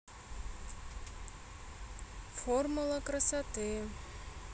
формула красоты